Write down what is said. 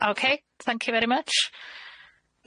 Okay, thank you very much.